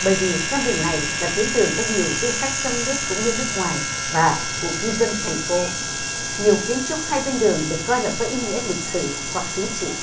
bởi vì con đường này là tuyến đường có nhiều du khách trong nước cũng như nước ngoài và của cư dân thành phố nhiều kiến trúc hai bên đường được coi là có ý nghĩa lịch sử hoặc chính trị